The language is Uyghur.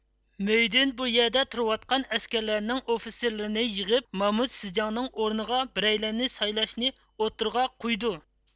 مۆيدىن بۇيەردە تۇرۇۋاتقان ئەسكەرلەرنىڭ ئوفىتسېرلىرىنى يىغىپ مامۇت سىجاڭنىڭ ئورنىغا بىرەيلەننى سايلاشنى ئوتتۇرىغا قويىدۇ